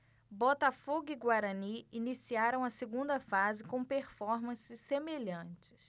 botafogo e guarani iniciaram a segunda fase com performances semelhantes